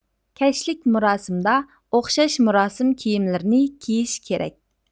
كەچلىك مۇراسىمدا ئوخشاش مۇراسىم كىيىملىرىنى كىيىش كېرەك